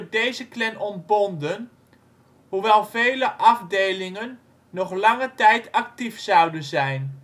deze Klan ontbonden, hoewel vele afdelingen nog lange tijd actief zouden blijven